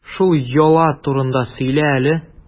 Шул йола турында сөйлә әле.